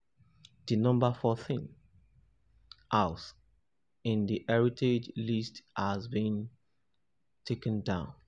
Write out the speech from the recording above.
The no. 14 house in the heritage list has already been taken down.